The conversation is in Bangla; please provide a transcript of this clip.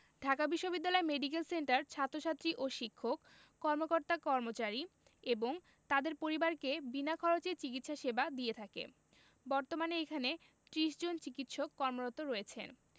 ঢাকা বিশ্ববিদ্যালয় মেডিকেল সেন্টার ছাত্রছাত্রী ও শিক্ষক কর্মকর্তাকর্মচারী এবং তাদের পরিবারকে বিনা খরচে চিকিৎসা সেবা দিয়ে থাকে বর্তমানে এখানে ৩০ জন চিকিৎসক কর্মরত রয়েছেন